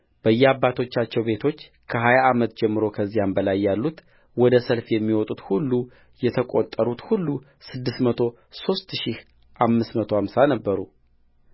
በየአባቶቻቸው ቤቶች ከሀያ ዓመት ጀምሮ ከዚያም በላይ ያሉት ወደ ሰልፍ የሚወጡት ሁሉየተቈጠሩት ሁሉ ስድስት መቶ ሦስት ሺህ አምስት መቶ አምሳ ነበሩ